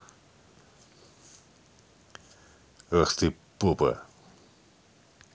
ах ты попа